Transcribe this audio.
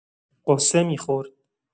غصه می‌خورد.